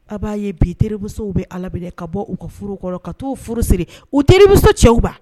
A b'a ye bi terimuso bɛ alabila ka bɔ u ka furu kɔrɔ ka taa furu siri u terimuso cɛwba